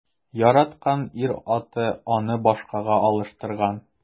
Яраткан ир-аты аны башкага алыштырган.